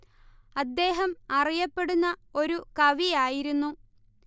അദ്ദേഹം അറിയപ്പെടുന്ന ഒരു കവി ആയിരുന്നു